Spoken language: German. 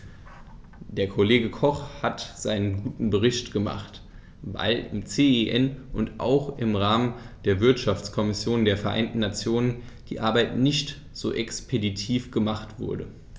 Der Kollege Koch hat seinen guten Bericht gemacht, weil im CEN und auch im Rahmen der Wirtschaftskommission der Vereinten Nationen die Arbeit nicht so expeditiv gemacht wurde.